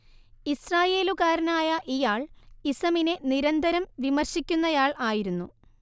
ഇസ്രയേലുകാരനായ ഇയാൾ ഇസമിനെ നിരന്തരം വിമർശിക്കുന്നയാൾ ആയിരുന്നു